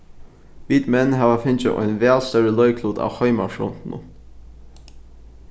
vit menn hava fingið ein væl størri leiklut á heimafrontinum